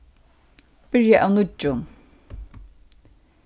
byrja av nýggjum